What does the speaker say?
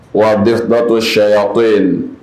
Wa deba ko shɛyako ye